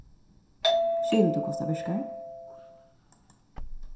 skilur tú hvussu tað virkar